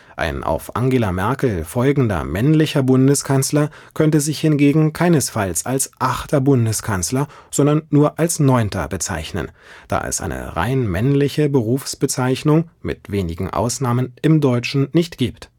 Ein auf Angela Merkel folgender männlicher Bundeskanzler könnte sich hingegen keinesfalls als „ achter Bundeskanzler “(sondern nur als „ neunter “) bezeichnen, da es eine rein männliche Berufsbezeichnung (mit wenigen Ausnahmen) im Deutschen nicht gibt